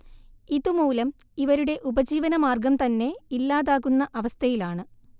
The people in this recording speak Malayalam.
ഇതുമൂലം ഇവരുടെ ഉപജീവനമാർഗം തന്നെ ഇല്ലാതാകുന്ന അവ്സഥയിലാണ്